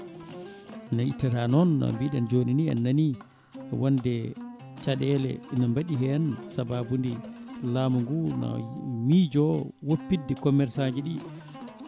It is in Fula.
ne ittata noon no mbiɗen joni ni en nani wonde caɗele ne mbaɗi hen sababude laamu ngu no miijo woppide commerçant ji ɗi